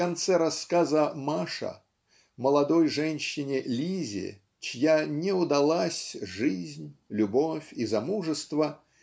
в конце рассказа "Маша" молодой женщине Лизе чья не удалась жизнь любовь и замужество